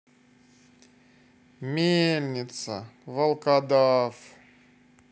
мельница волкодав